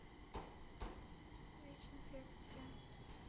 вич инфекция